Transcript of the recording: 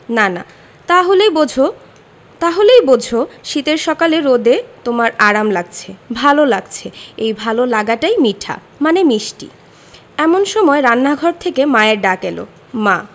নানা তা হলে বোঝ তাহলেই বোঝ শীতের সকালে রোদে তোমার আরাম লাগছে ভালো লাগছে এই ভালো লাগাটাই মিঠা মানে মিষ্টি এমন সময় রান্নাঘর থেকে মায়ের ডাক এলো মা